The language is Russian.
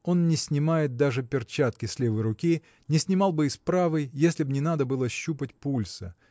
Он не снимает даже перчатки с левой руки не снимал бы и с правой если б не надо было щупать пульса